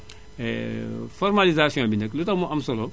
formalisation bi nag lu tax mu am solo